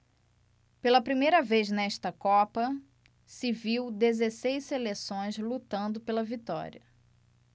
pela primeira vez nesta copa se viu dezesseis seleções lutando pela vitória